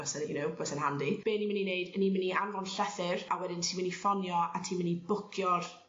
fysa you know fysa'n handi be' ni myn' i neud 'yn ni myn' i anfon llythyr a wedyn ti' myn' i ffonio a ti' myn' i bwcio'r